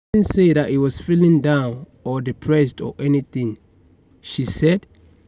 "He didn't say that he was feeling down or depressed or anything," she said.